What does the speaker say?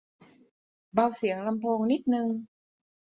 เบาเสียงลำโพงนิดนึง